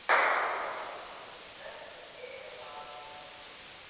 концерт сергея лазарева